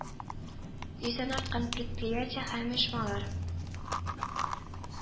Йөздән арткан предприятие һәм оешмалар